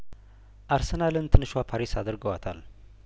አርሰናልን ትንሿ ፓሪስ አድርገዋታል